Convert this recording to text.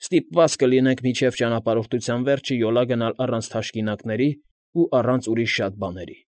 Ստիպված կլինեք մինչև ճանապարհորդության վերջը յոլա գնալ առանց թաշկինակների ու առանց ուրիշ շատ բաների։